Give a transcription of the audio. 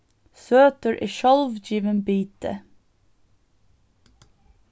søtur er sjálvgivin biti